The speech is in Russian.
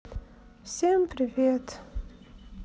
всем привет